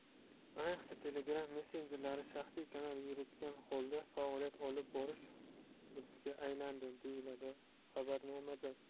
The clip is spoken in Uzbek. ayniqsa telegram messenjerida shaxsiy kanal yuritgan holda faoliyat olib borish urfga aylandi deyiladi xabarnomada